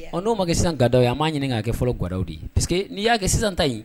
N'o ma kɛ sisan gadaw ye, an b'a ɲini ɲini k'a kɛ fɔlɔ gaw ye parce que n'i y'a kɛ sisan ta in